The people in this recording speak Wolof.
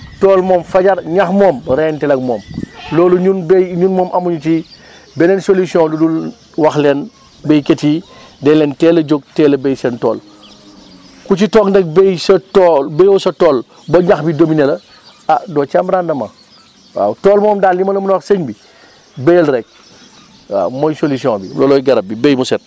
tool moom fajar ñax moom rayanteel ak moom loolu ñun béy ñun moom amuñu ci beneen solution lu dul wax leen béykat yi dee leen teel a jóg teel a béy seen tool ku ci toog nag béy sa tool béyoo sa tool ba ñax bi dominé la ah doo ca am rendement waaw tool moom daal li ma la mën a wax sëñ bi béyal rek waaw mooy solution bi loolooy garab bi béy mu set